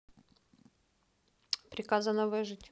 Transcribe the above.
приказано выжить